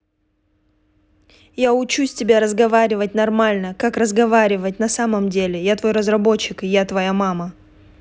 я учусь тебя разговаривать нормально как разговаривать на самом деле я твой разработчик и я твоя мама